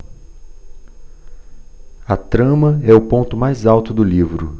a trama é o ponto mais alto do livro